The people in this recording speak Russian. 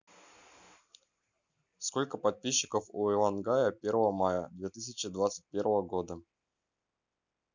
сколько подписчиков у ивангая первого мая две тысячи двадцать первого года